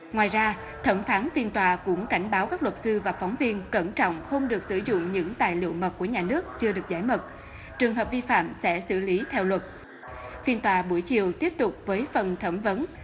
ngoài ra thẩm phán phiên tòa cũng cảnh báo các luật sư và phóng viên cẩn trọng không được sử dụng những tài liệu mật của nhà nước chưa được giải mật trường hợp vi phạm sẽ xử lý theo luật phiên tòa buổi chiều tiếp tục với phần thẩm vấn